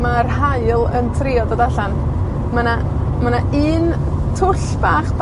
ma'r haul yn trio dod allan. Ma' 'na, ma' 'na un twll bach